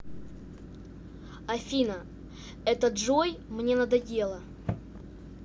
афина это джой мне надоело